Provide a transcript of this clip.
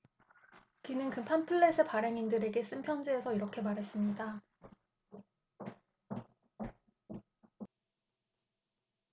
그는 그 팜플렛의 발행인들에게 쓴 편지에서 이렇게 말했습니다